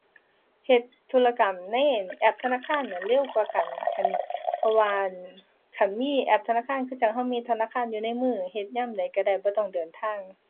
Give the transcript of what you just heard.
เฮ็ดธุรกรรมใน อั่น แอปธนาคารน่ะเร็วกว่าการ หั้นหนิ เพราะว่า อั่น คันมีแอปธนาคารคือจั่งเรามีธนาคารอยู่ในมือ เฮ็ดยามใดเราได้บ่ต้องเดินทาง